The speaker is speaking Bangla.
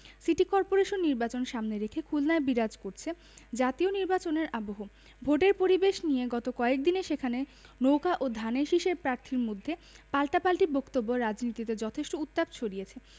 সিটি করপোরেশন নির্বাচন সামনে রেখে খুলনায় বিরাজ করছে জাতীয় নির্বাচনের আবহ ভোটের পরিবেশ নিয়ে গত কয়েক দিনে সেখানে নৌকা ও ধানের শীষের প্রার্থীর মধ্যে পাল্টাপাল্টি বক্তব্য রাজনীতিতে যথেষ্ট উত্তাপ ছড়িয়েছে